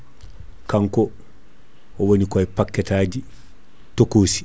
kanko o woni ko e paquet taji tokososi